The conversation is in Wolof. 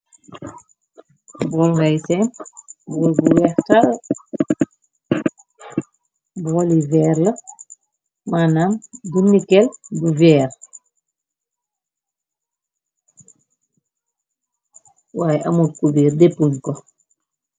Bol ngay seen, bol bu weex tal bol li veer la, ma naam bu nikel bu veer , waaye amul kubir déppuj ko.